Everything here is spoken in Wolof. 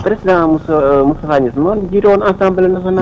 président Mousta Moustapha Niass moo ñu jiite woon assemblée nationale